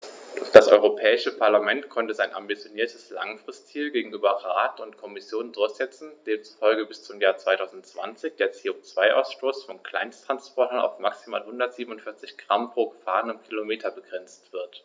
Das Europäische Parlament konnte sein ambitioniertes Langfristziel gegenüber Rat und Kommission durchsetzen, demzufolge bis zum Jahr 2020 der CO2-Ausstoß von Kleinsttransportern auf maximal 147 Gramm pro gefahrenem Kilometer begrenzt wird.